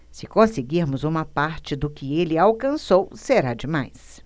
se conseguirmos uma parte do que ele alcançou será demais